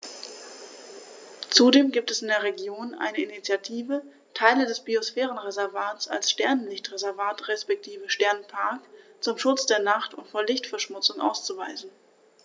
Zudem gibt es in der Region eine Initiative, Teile des Biosphärenreservats als Sternenlicht-Reservat respektive Sternenpark zum Schutz der Nacht und vor Lichtverschmutzung auszuweisen.